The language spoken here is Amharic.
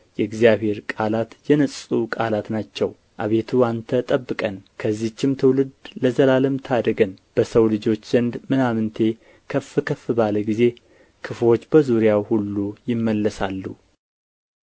የእግዚአብሔር ቃላት የነጹ ቃላት ናቸው አቤቱ አንተ ጠብቀን ከዚህችም ትውልድ ለዘላለም ታደገን በሰው ልጆች ዘንድ ምናምንቴ ከፍ ከፍ ባለ ጊዜ ክፉዎች በዙሪያው ሁሉ ይመላለሳሉ